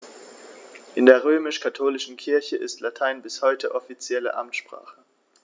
In der römisch-katholischen Kirche ist Latein bis heute offizielle Amtssprache.